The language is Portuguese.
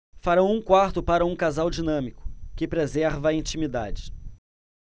farão um quarto para um casal dinâmico que preserva a intimidade